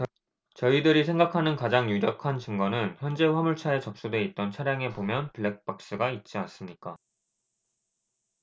저희들이 생각하는 가장 유력한 증거는 현재 화물차에 접수돼 있던 차량에 보면 블랙박스가 있지 않습니까